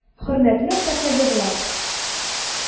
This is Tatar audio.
Хөрмәтле пассажирлар!